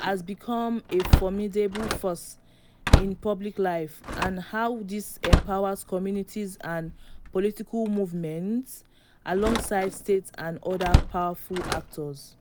has become a formidable force in public life and how this empowers communities and political movements alongside state and other powerful actors.